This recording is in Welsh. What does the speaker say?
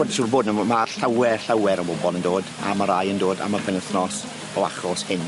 Wel siwr fod na m- ma' llawer llawer o bobol yn dod a ma' rai yn dod am y penwthnos o achos hyn.